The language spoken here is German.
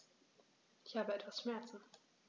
Ich habe etwas Schmerzen.